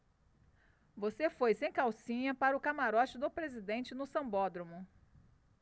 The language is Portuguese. você foi sem calcinha para o camarote do presidente no sambódromo